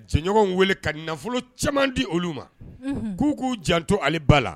Cɛɲɔgɔnw wele ka nafolo caaman di olu ma; Unhun; K'u k'u janto ale ba la.